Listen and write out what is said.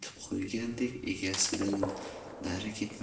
qo'ygandek egasidan nari ketmaydi